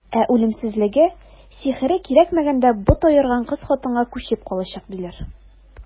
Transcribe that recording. Ә үлемсезлеге, сихере кирәкмәгәндә бот аерган кыз-хатынга күчеп калачак, диләр.